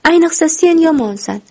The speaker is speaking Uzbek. ayniqsa sen yomonsan